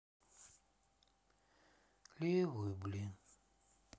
левую блин